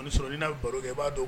A sɔrɔ i baro kɛ b'a dɔn